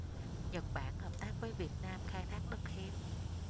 nhật bản hợp tác với việt nam khai thác đất hiếm